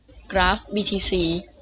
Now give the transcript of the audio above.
กราฟบีทีซี